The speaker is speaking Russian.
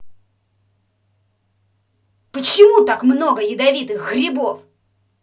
почему так много ядовитых грибов